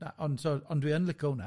Na, ond so ond dwi yn lico hwnna.